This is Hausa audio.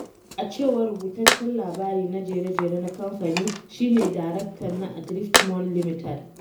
A cewar rubutaccen labari na jere-jere na kamfani, shi ne darakta na Adriftmorn Limited.